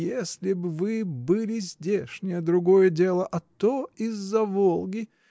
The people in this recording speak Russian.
— Если б вы были здешняя, другое дело, а то из-за Волги!